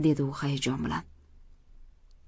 dedi u hayajon bilan